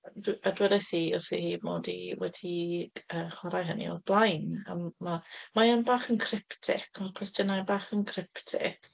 A dw- a dwedais i wrthi hi fy mod i wedi, yy, chwarae hynny o'r blaen a m- ma' mae yn bach yn cryptic. Mae'r cwestiynnau bach yn cryptic.